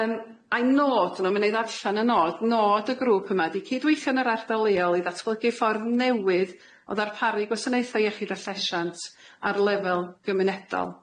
Yym a'i nod nhw'n, mi 'na' i ddarllan y nod, nod y grŵp yma ydi cydweithio yn yr ardal leol i ddatblygu ffordd newydd o ddarparu gwasanaethau iechyd a llesiant ar lefel gymunedol.